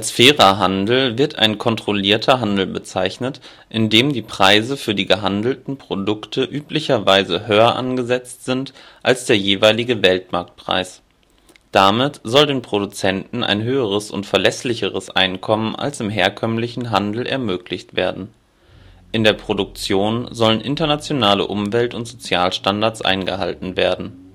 Fairer Handel wird ein kontrollierter Handel bezeichnet, in dem die Preise für die gehandelten Produkte üblicherweise höher angesetzt sind als der jeweilige Weltmarktpreis. Damit soll den Produzenten ein höheres und verlässlicheres Einkommen als im herkömmlichen Handel ermöglicht werden. In der Produktion sollen internationale Umwelt - und Sozialstandards eingehalten werden